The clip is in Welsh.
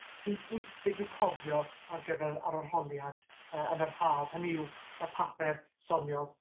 sy'n bwysig i'w cofio ar gyfer yr arholiad yy yn yr Haf hynny yw y papur soniodd...